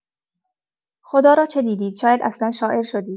خدا را چه دیدید شاید اصلا شاعر شدید؟!